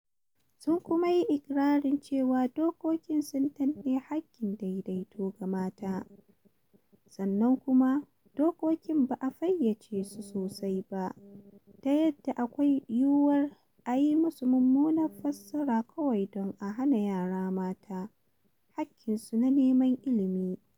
Sun kuma yi iƙirarin cewa dokokin sun danne haƙƙin daidaito ga mata, sannan kuma dokokin ba a fayyace su sosai ba ta yadda akwai yiwuwar a yi musu mummunar fassara kawai don a hana yara mata haƙƙinsu na neman ilimi.